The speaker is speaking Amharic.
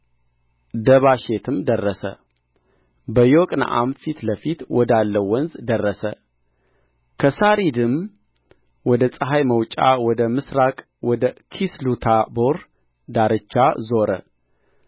ደባሼትም ደረሰ በዮቅንዓም ፊት ለፊት ወዳለው ወንዝ ደረሰ ከሣሪድም ወደ ፀሐይ መውጫ ወደ ምሥራቅ ወደ ኪስሎትታቦር ዳርቻ ዞረ